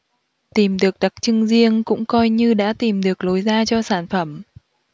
tìm được đặc trưng riêng cũng coi như đã tìm được lối ra cho sản phẩm